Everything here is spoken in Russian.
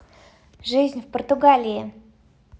жизнь в португалии